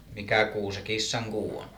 mikä kuu se kissankuu on